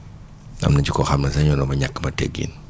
am na ci koo xam ne sax ñëw na ba ñàkkee ma teggin